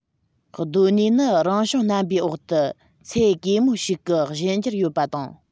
གདོད ནུས ནི རང བྱུང རྣམ པའི འོག ཏུ ཚད གེ མོ ཞིག གི གཞན འགྱུར ཡོད པ དང